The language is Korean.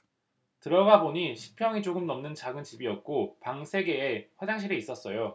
들어가보니 십 평이 조금 넘는 작은 집이었고 방 세 개에 화장실이 있었어요